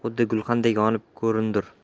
ham xuddi gulxandek yonib ko'rinur